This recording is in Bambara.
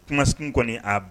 Kuma sun kɔni'